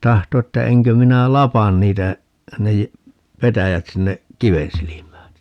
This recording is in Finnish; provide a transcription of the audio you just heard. tahtoi että enkö minä lapa niitä ne - petäjät sinne kiven silmään